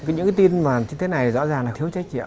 những cái tin mà như thế này rõ ràng là thiếu trách nhiệm